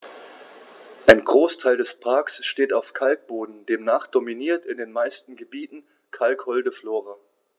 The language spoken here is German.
Ein Großteil des Parks steht auf Kalkboden, demnach dominiert in den meisten Gebieten kalkholde Flora.